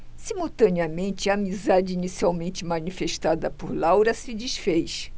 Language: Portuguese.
simultaneamente a amizade inicialmente manifestada por laura se disfez